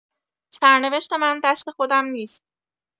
سرنوشت من، دست خودم نیست.